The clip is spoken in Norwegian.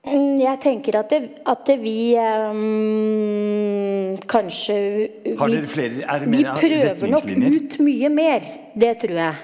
jeg tenker at at vi kanskje vi prøver nok ut mye mer, det trur jeg.